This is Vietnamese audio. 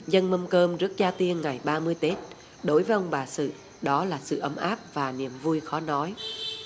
dâng mâm cơm rước cha tiên ngày ba mươi tết đối với bà sự đó là sự ấm áp và niềm vui khó nói